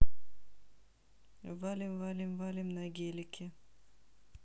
валим валим валим на гелике